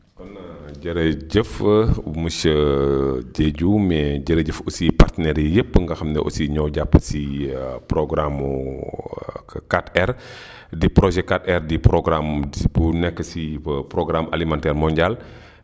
kon jërëjëf monsieur Diedhiou mais jërëjëf aussi partenaires yi yépp nga xam ne aussi ñoo jàpp si si programme mu waa 4R di projet 4R di programme di bu nekk si programme alimentaire mondial